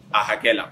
A hakɛ la